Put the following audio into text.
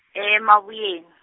eMabuyeni .